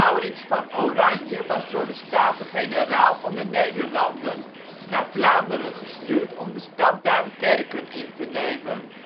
Maurits van Oranje was door de Staten-Generaal van de Nederlanden naar Vlaanderen gestuurd om de stad Duinkerken